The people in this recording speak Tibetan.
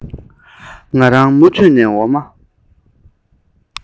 འཐུང བའི དང བ ག ན ཡོད